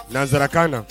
Nansarakan na